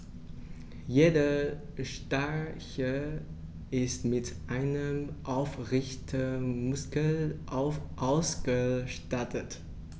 Jeder Stachel ist mit einem Aufrichtemuskel ausgestattet.